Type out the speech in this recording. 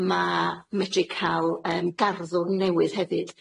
ma' medru ca'l yym garddwrn newydd hefyd.